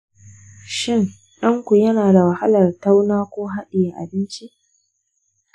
shin ɗan ku yana da wahalar tauna ko hadiye abinci?